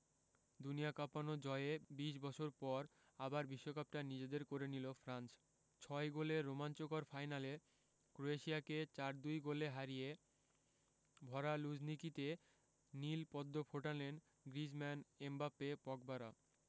দুনিয়া কাঁপানো জয়ে ২০ বছর পর আবার বিশ্বকাপটা নিজেদের করে নিল ফ্রান্স ছয় গোলের রোমাঞ্চকর ফাইনালে ক্রোয়েশিয়াকে ৪ ২ গোলে হারিয়ে ভরা লুঝনিকিতে নীল পদ্ম ফোটালেন গ্রিজমান এমবাপ্পে পগবারা